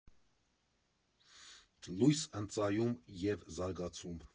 Լույս ընծայում և զարգացում։